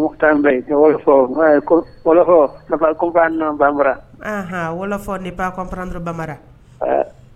Mɔkutaru Nbayi, wɔlɔfɔ moi, je wɔlɔfɔ ne pas comprendre bambara . Anhan, wɔlɔfɔ ne pas comprendre bambara .